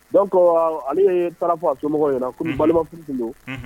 Don kɔ ale ye taa fɔ a somɔgɔw ɲɛna na ko balimakuru tun don